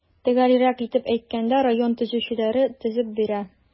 Төгәлрәк итеп әйткәндә, район төзүчеләре төзеп бирә.